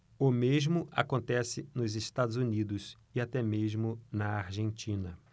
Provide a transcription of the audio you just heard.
o mesmo acontece nos estados unidos e até mesmo na argentina